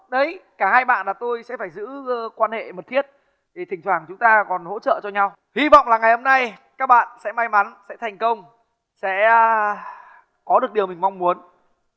đấy cả hai bạn là tôi sẽ phải giữ quan hệ mật thiết để thỉnh thoảng chúng ta còn hỗ trợ cho nhau hy vọng là ngày hôm nay các bạn sẽ may mắn sẽ thành công sẽ có được điều mình mong muốn